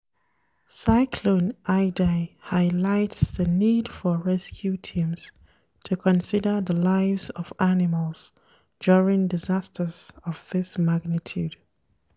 Cyclone Idai highlights the need for rescue teams to consider the lives of animals during disasters of this magnitude.